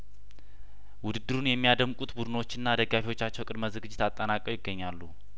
ውድድሩን የሚያደምቁት ቡድኖችና ደጋፊዎቻቸው ቅድመ ዝግጅት አጠና ቀው ይገኛሉ